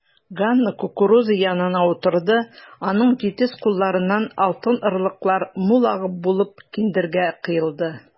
Ганна кукуруза янына утырды, аның җитез кулларыннан алтын орлыклар мул агым булып киндергә коелды.